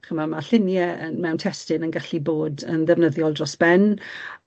Ch'mo', ma' llunie yn mewn testun yn gallu bod yn ddefnyddiol dros ben.